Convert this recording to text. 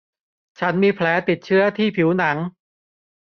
ฉันมีแผลติดเชื้อที่ผิวหนัง